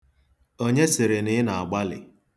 Onye sịrị na ị na-agbalị?